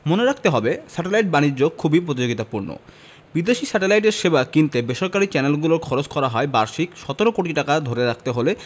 মনে রাখতে হবে স্যাটেলাইট বাণিজ্য খুবই প্রতিযোগিতাপূর্ণ বিদেশি স্যাটেলাইটের সেবা কিনতে বেসরকারি চ্যানেলগুলোর খরচ করা বার্ষিক ১৭ কোটি টাকা ধরে রাখতে হলে